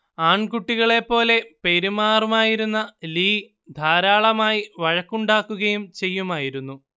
ആൺകുട്ടികളെപ്പോലെ പെരുമാറുമായിരുന്ന ലീ ധാരാളമായി വഴക്കുണ്ടാക്കുകയും ചെയ്യുമായിരുന്നു